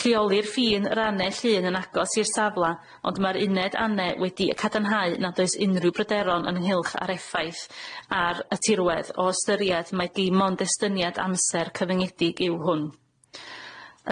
Lleolir fîn yr annell un yn agos i'r safla ond ma'r uned ane wedi yy cadarnhau nad oes unrhyw bryderon ynghylch â'r effaith ar y tirwedd o ystyriad mae dim ond estyniad amser cyfyngedig yw hwn.